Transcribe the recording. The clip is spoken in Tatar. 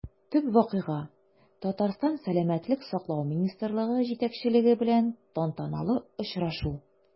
Төп вакыйга – Татарстан сәламәтлек саклау министрлыгы җитәкчелеге белән тантаналы очрашу.